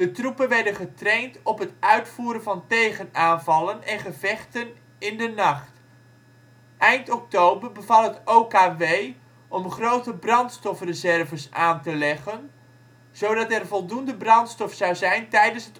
troepen werden getraind op het uitvoeren van tegenaanvallen en gevechten in de nacht. Eind oktober beval het OKW om grote brandstofreserves aan te leggen, zodat er voldoende brandstof zou zijn tijdens